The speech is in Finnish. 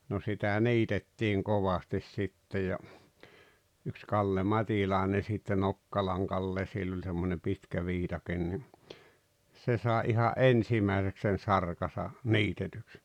no sitä niitettiin kovasti sitten ja yksi Kalle Matilainen sitten Nokkalan Kalle sillä oli semmoinen pitkä viikate niin se sai ihan ensimmäiseksi sen sarkansa niitetyksi